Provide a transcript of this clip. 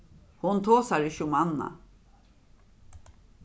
hon tosar ikki um annað